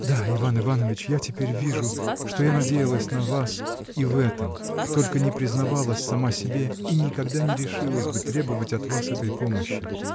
— Да, Иван Иванович, я теперь вижу, что я надеялась на вас и в этом, только не признавалась сама себе, и никогда не решилась бы требовать от вас этой помощи.